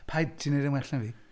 Paid ti'n wneud e'n well na fi.